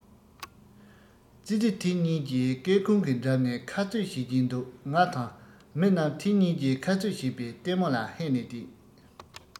ཙི ཙི དེ གཉིས ཀྱིས སྐར ཁུང གི འགྲམ ནས ཁ རྩོད བྱེད ཀྱིན འདུག ང དང མི རྣམས དེ གཉིས ཀྱིས ཁ རྩོད བྱེད པའི ལྟད མོ ལ ཧད ནས བསྡད